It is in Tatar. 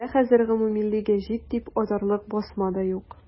Бездә хәзер гомуммилли гәҗит дип атарлык басма да юк.